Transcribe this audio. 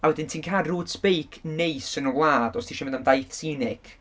A wedyn ti'n cael route beic neis yn y wlad os ti isio mynd am daith scenic.